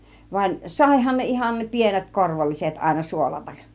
vaan saihan ne ihan pienet korvolliset aina suolata